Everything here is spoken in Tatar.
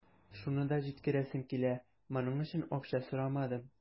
Шуны да җиткерәсем килә: моның өчен акча сорамадым.